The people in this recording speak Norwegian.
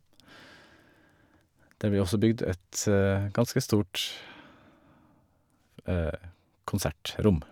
Det blir også bygd et ganske stort konsertrom.